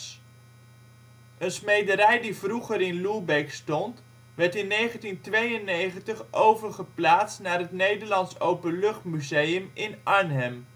smederij die vroeger in Loerbeek stond, werd in 1992 overgeplaatst naar het Nederlands Openluchtmuseum in Arnhem